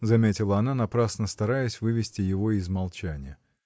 — заметила она, напрасно стараясь вывести его из молчания.